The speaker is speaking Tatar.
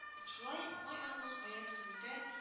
Шулай май аеның аяз көнендә